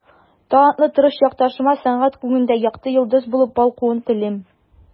Талантлы, тырыш якташыма сәнгать күгендә якты йолдыз булып балкуын телим.